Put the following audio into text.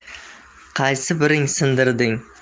qaysi biring sindirding